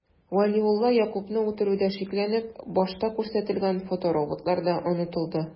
Вәлиулла Ягъкубны үтерүдә шикләнеп, башта күрсәтелгән фотороботлар да онытылды...